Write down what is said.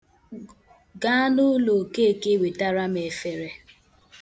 Gaa n'ụlọ Okeke wetara m efere.